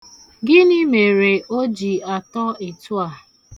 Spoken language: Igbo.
Gịnị mere o ji atọ etu a?